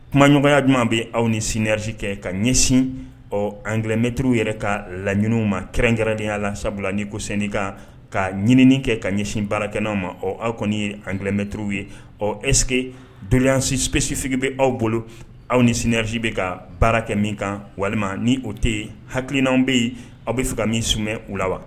Kumaɲɔgɔnya jumɛn bɛ aw ni sinanreriti kɛ ka ɲɛsin ɔ an gɛlɛnmɛturuw yɛrɛ ka laɲiniw ma kɛrɛnkɛrɛn deya la sabula ni kosenni kan ka ɲinini kɛ ka ɲɛsin baara kɛ' ma o aw kɔni ye anlɛnmɛturuw ye ɔ ɛske jolilsipsifi bɛ aw bolo aw ni sinanresi bɛ ka baara kɛ min kan walima ni o tɛ yen haina bɛ yen aw bɛ fɛ ka min s u la wa